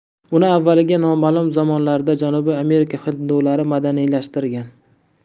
uni avvaliga noma'lum zamonlarda janubiy amerika hindulari madaniylashtirgan